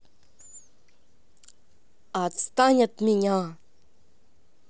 отстань от меня